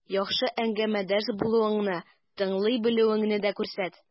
Яхшы әңгәмәдәш булуыңны, тыңлый белүеңне дә күрсәт.